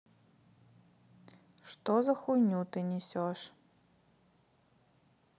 что за хуйню ты несешь